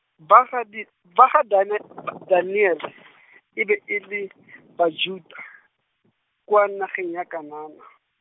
ba gadi-, ba gadane- , ba Daniele, e be e le Bajuda, kua nageng ya Kanana.